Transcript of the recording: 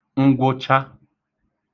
ngwụcha